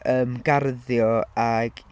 yym, garddio ac...